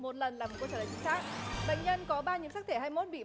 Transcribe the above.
một lần là một câu trả lời chính xác ạ bệnh nhân có ba nhiễm sắc thể hai mốt bị